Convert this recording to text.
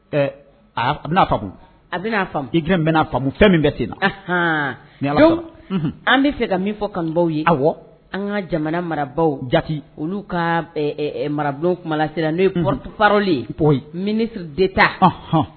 Ɛɛ aa aa fa a bɛna n'a fan bi bɛnaa faamumu fɛn min bɛ ten na an bɛ fɛ ka min fɔ kanubaww ye aw an ka jamana marabaw jate olu ka marabu kumalasira n'o ye pfalen p minisiri de taɔn